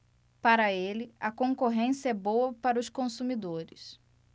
para ele a concorrência é boa para os consumidores